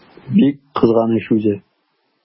Бик кызганыч үзе!